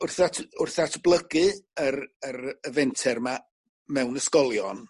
wrth ddat- wrth ddatblygu yr yr y fenter 'ma mewn ysgolion